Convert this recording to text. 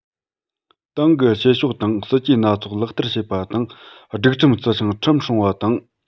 ཏང གི བྱེད ཕྱོགས དང སྲིད ཇུས སྣ ཚོགས ལག བསྟར བྱེད པ དང སྒྲིག ལམ བརྩི ཞིང ཁྲིམས སྲུང བ དང